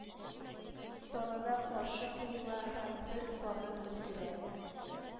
Санына каршы куела һәм «бер» санын белдерә